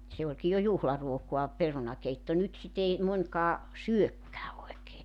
se olikin jo juhlaruokaa perunakeitto nyt sitä ei monikaan syökään oikein